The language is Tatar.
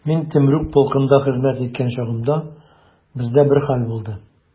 Мин Темрюк полкында хезмәт иткән чагымда, бездә бер хәл булды.